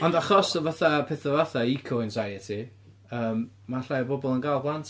Ond achos o fatha petha fatha eco-anxiety, yym, ma' llai o bobl yn gael plant.